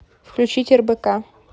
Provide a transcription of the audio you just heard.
включить рбк